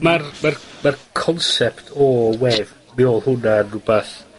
...ma'r ma'r ma'r concept o, wedd, mi odd hwnna yn rwbath